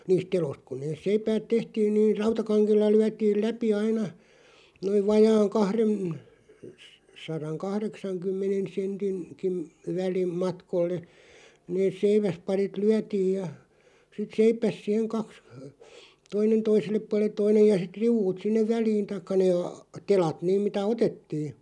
niistä teloista kun ne seipäät tehtiin niin rautakangella lyötiin läpi aina noin vajaan -- kahdensadan kahdeksankymmenen - sentinkin - välimatkalle ne seiväsparit lyötiin ja sitten seiväs siihen kaksi toinen toiselle puolelle toinen ja sitten riu'ut sinne väliin tai ne - telat niin mitä otettiin